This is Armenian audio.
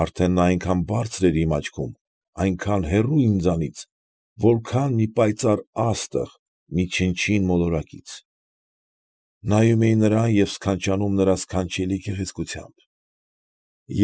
Արդեն նա այնքան բարձր էր իմ աչքում, այնքան հեռու ինձնից, որքան մի պայծառ, աստղ, մի չնչին մոլորակից, նայում էի նրան և սքանչանում նրա սքանչելի գեղեցկությամբ։